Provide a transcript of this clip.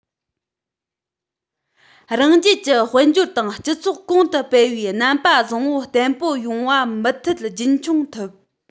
རང རྒྱལ གྱི དཔལ འབྱོར དང སྤྱི ཚོགས གོང དུ འཕེལ བའི རྣམ པ བཟང པོ བརྟན པོ ཡོང བ མུ མཐུད རྒྱུན འཁྱོངས ཐུབ